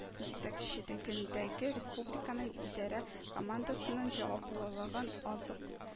Җитәкчелегендәге республиканың идарә командасының җаваплылыгын азык